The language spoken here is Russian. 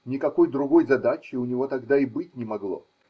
Никакой другой задачи у него тогда и быть не могло.